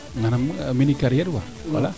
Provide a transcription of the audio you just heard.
manaam mini carriere wala